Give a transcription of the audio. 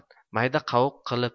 mayda qaviq qilib